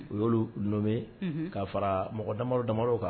U y'olu nommer unhun ka faraa mɔgɔ damadɔdamadɔ kan